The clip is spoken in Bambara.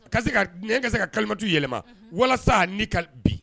Ka se ka ɲɛ bɛ se ka kalimatu yɛlɛma walasa'a ni ka bi